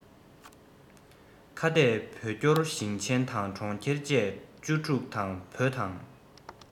ཁ གཏད བོད སྐྱོར ཞིང ཆེན དང གྲོང ཁྱེར བཅས བཅུ དྲུག དང བོད དང